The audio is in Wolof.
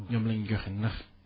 ñoom la ñu joxe ndax